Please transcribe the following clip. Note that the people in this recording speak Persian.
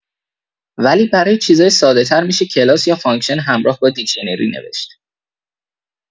ولی برای چیزای ساده‌‌تر می‌شه کلاس یا فانکشن همراه با دیکشنری نوشت